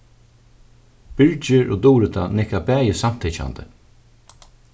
birgir og durita nikka bæði samtykkjandi